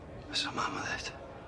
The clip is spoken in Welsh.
Be' sa mam yn ddeud?